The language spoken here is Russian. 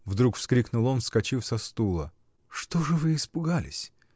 — вдруг вскрикнул он, вскочив со стула. — Что же вы испугались?